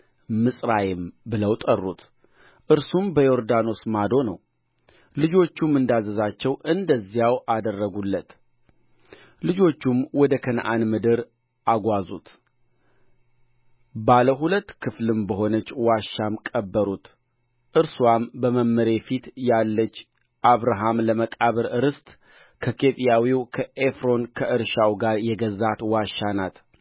ምጽራይም ብለው ጠሩት እርሱም በዮርዳኖስ ማዶ ነው ልጆቹም እንዳዘዛቸው እንደዚያው አደረጉለት ልጆቹም ወደ ከነዓን ምድር አጓዙት ባለ ሁለት ክፍል በሆነች ዋሻም ቀበሩት እርስዋም በመምሬ ፊት ያለች አብርሃም ለመቃብር ርስት ከኬጢያዊ ከኤፍሮን ከእርሻው ጋር የገዛት ዋሻ ናት